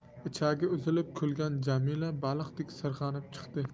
ichagi uzilib kulgan jamila baliqdek sirg'anib chiqdi